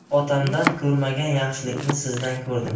otamdan ko'rmagan yaxshilikni sizdan ko'rdim